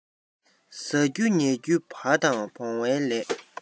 ཟ རྒྱུ ཉལ རྒྱུ བ དང བོང བའི ལས